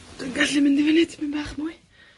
Dwi'n gallu mynd i fyny tipyn bach mwy.